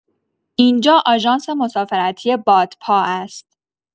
این‌جا آژانس مسافرتی بادپا است.